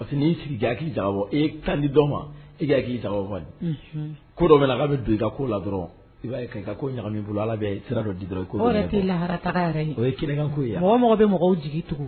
Parce que'i sigi ja e ka di dɔ ma i' ja ko dɔ bɛ la' bɛ don i ko la dɔrɔn i b'a ɲaga bolo ala bɛ sira dɔ dirako ye a mɔgɔ bɛ mɔgɔw jigi tugun